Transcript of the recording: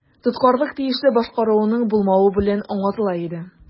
Тоткарлык тиешле башкаручының булмавы белән аңлатыла иде.